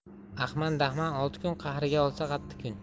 ahman dahman olti kun qahriga olsa qatti kun